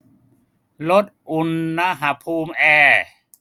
ลดอุณหภูมิแอร์